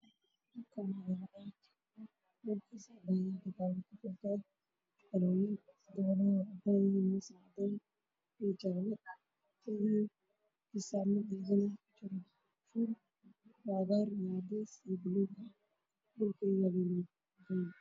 Waxaa ii muuqda caagado ay ku jiraan shukulaato waxaa ka dambeeya kaskacyo